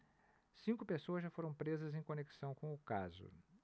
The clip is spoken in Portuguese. cinco pessoas já foram presas em conexão com o caso